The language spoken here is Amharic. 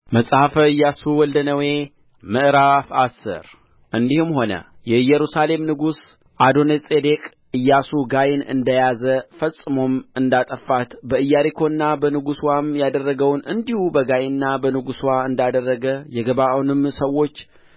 መጽሐፈ ኢያሱ ወልደ ነዌ ምዕራፍ አስር እንዲህም ሆነ የኢየሩሳሌም ንጉሥ አዶኒጼዴቅ ኢያሱ ጋይን እንደ ያዘ ፈጽሞም እንዳጠፋት በኢያሪኮና በንጉሥዋም ያደረገውን እንዲሁ በጋይና በንጉሥዋ እንዳደረገ የገባዖንም ሰዎች